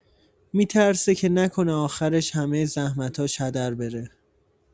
می‌ترسه که نکنه آخرش همه زحمتاش هدر بره.